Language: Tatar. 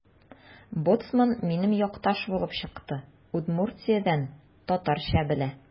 Боцман минем якташ булып чыкты: Удмуртиядән – татарча белә.